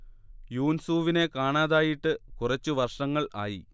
യൂൻസൂവിനെ കാണാതായിട്ട് കുറച്ചു വർഷങ്ങൾ ആയി